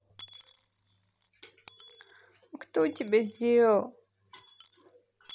а кто тебя сделал